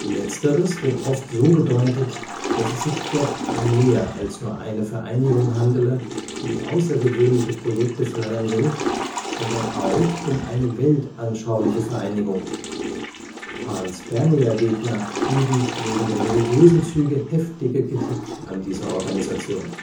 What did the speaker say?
Letzteres wird oft so gedeutet, dass es sich doch um mehr als nur eine Vereinigung handele, die außergewöhnliche Projekte fördern will, sondern auch um eine weltanschauliche Vereinigung – Panspermia-Gegner üben wegen der religiösen Züge heftige Kritik an dieser Organisation